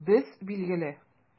Без, билгеле!